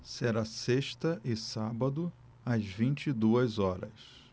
será sexta e sábado às vinte e duas horas